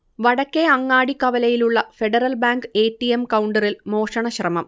വടക്കേ അങ്ങാടി കവലയിലുള്ള Federal Bank A. T. M കൗണ്ടറിൽ മോഷണശ്രമം